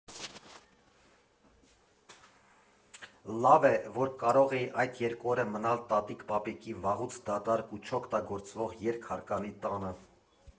Լավ է, որ կարող էր այդ երկու օրը մնալ տատիկ֊պապիկի վաղուց դատարկ ու չօգտագործվող երկհարկանի տանը։